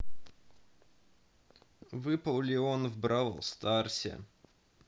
выпал леон в бравл старсе